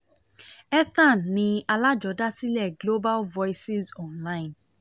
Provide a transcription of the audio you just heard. Ethan ni alájọdásílẹ̀ Global Voices Online.